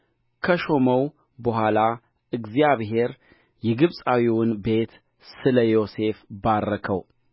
ከዚህም በኋላ እንዲህ ሆነ የጌታው ሚስት በዮሴፍ ላይ ዓይንዋን ጣለች ከእኔም ጋር ተኛ አለችው